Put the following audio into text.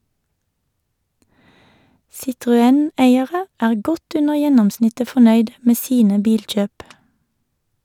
Citroën- eiere er godt under gjennomsnittet fornøyd med sine bilkjøp.